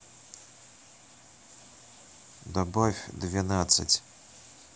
добавь двенадцать